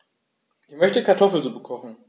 Ich möchte Kartoffelsuppe kochen.